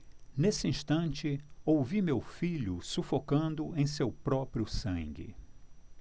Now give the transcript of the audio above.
nesse instante ouvi meu filho sufocando em seu próprio sangue